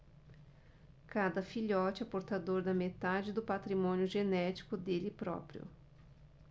cada filhote é portador da metade do patrimônio genético dele próprio